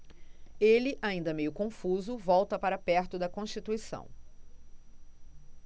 ele ainda meio confuso volta para perto de constituição